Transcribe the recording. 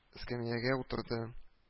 Эскәмиягә утырды